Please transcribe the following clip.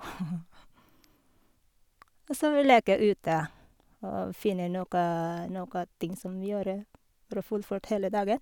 Og så vi leker ute og finner nokka nokka ting som vi gjøre for å fullført hele dagen.